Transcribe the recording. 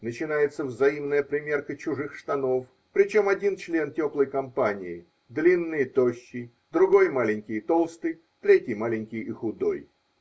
Начинается взаимная примерка чужих штанов, причем один член теплой компании -- длинный и тощий, другой -- маленький и толстый, третий -- маленький и худой.